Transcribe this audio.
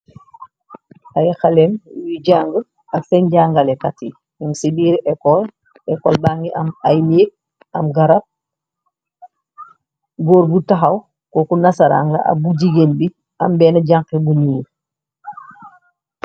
Ay xalèh yuy jànga ak sèèn jàngale kat, ñung ci biir ekol. Ekol bangi am ay nék am garab, gór bu taxaw ko ku nasarang la ak bu jigéen bi am bennen janxa bu ñuul.